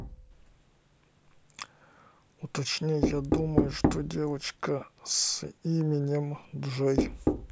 уточняю я думаю что девочка с именем джой